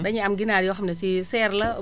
dañuy am ginaar yoo xam ne sii chair la